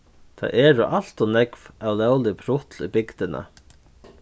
tað eru alt ov nógv ólóglig prutl í bygdini